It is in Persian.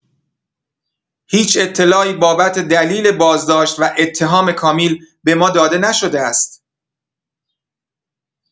هیچ اطلاعی بابت دلیل بازداشت و اتهام کامیل به ما داده نشده است.